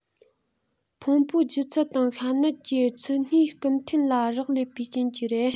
ཕུང པོའི ལྗིད ཚད དང ཤ གནད ཀྱི ཚི སྣའི སྐུམ འཐེན ལ རག ལས པའི རྐྱེན གྱིས རེད